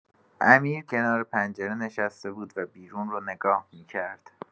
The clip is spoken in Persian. امیر کنار پنجره نشسته بود و بیرون رو نگاه می‌کرد.